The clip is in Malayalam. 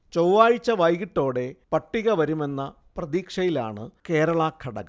ചൊവ്വാഴ്ച വൈകിട്ടോടെ പട്ടിക വരുമെന്ന പ്രതീക്ഷയിലാണ് കേരള ഘടകം